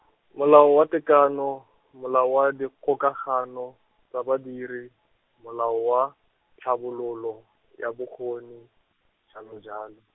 Molao wa Tekano, Molao wa Dikgokagano, tsa Badiri, Molao wa Tlhabololo, ya Bokgoni, jalo le jalo.